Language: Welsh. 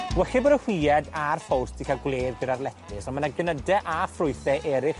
Walle bod y hwyed a'r ffowls 'di ca'l gwledd gyda'r letys, on' ma' 'na gnyde a ffrwythe eryll